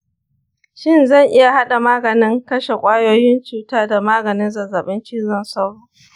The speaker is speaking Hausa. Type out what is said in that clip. shin zan iya haɗa maganin kashe ƙwayoyin cuta da maganin zazzabin cizon sauro?